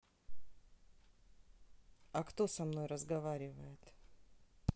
а кто со мной разговаривает